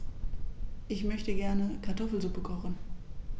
Ich möchte gerne Kartoffelsuppe kochen.